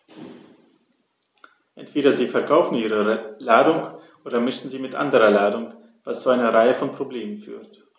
Entweder sie verkaufen ihre Ladung oder mischen sie mit anderer Ladung, was zu einer Reihe von Problemen führt.